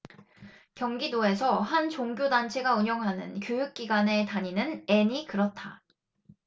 경기도에서 한 종교단체가 운영하는 교육기관에 다니는 앤이 그렇다